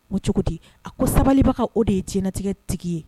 O cogo di a ko sabaliba ka o de ye tiɲɛnatigɛ tigi ye